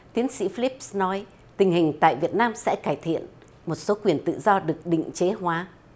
tiến sĩ phi líp nói tình hình tại việt nam sẽ cải thiện một số quyền tự do được định chế hóa